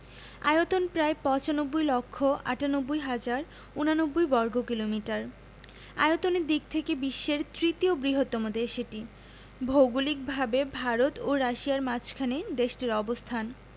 আয়তন প্রায় ৯৫ লক্ষ ৯৮ হাজার ৮৯ বর্গকিলোমিটার আয়তনের দিক থেকে বিশ্বের তৃতীয় বৃহত্তম দেশ এটি ভৌগলিকভাবে ভারত ও রাশিয়ার মাঝখানে দেশটির অবস্থান